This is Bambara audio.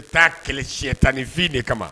N bɛ taa kɛlɛ tiɲɛ tan nifin de kama